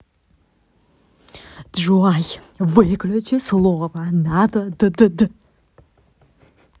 джой выключи слово надо ddd